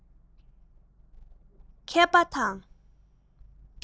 མཁས པ དང